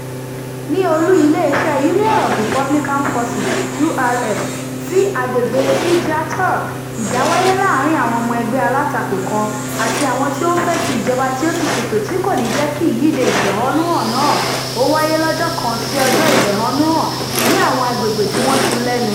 ...ní olú iléeṣẹ́ Union of Republican Forces (URF) tí agbègbè Sidya Touré, ìjá wáyé láàárín àwọn ọmọ ẹgbẹ́ alátakò kan àti àwọn tí ó ń fẹ́ ti ìjọba tí ó ti ṣètò tí kò ní jẹ́ kí ìyíde ìfẹ̀hónúhàn náà ó wáyé lọ́jọ́ kan sí ọjọ́ ìfẹ̀hónúhàn ní àwọn agbègbè tí wọ́n ti lẹ́nu.